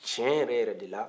tiɲɛ yɛrɛ de la